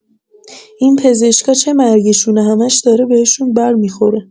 این پزشکا چه مرگشونه همه‌ش داره بهشون بر می‌خوره؟